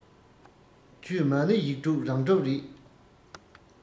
ཆོས མ ཎི ཡིག དྲུག རང གྲུབ རེད